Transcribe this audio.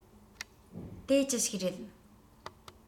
དེ ཅི ཞིག རེད